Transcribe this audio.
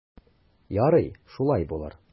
Ярый, шулай булыр.